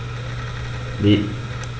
Ne.